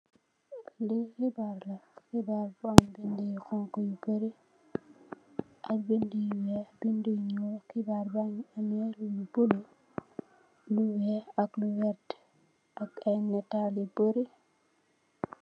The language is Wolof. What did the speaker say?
Lii khibarr la, khibarr bu am bindu yu honhu yu bari, ak bindu yu wekh, bindu yu njull, khibarr baangy ameh lu bleu, lu wekh, ak lu wehrt ak aiiy naatal yu bari.